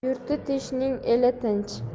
yurti tinchning eli tinch